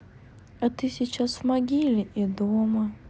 а ты сейчас в могиле и дома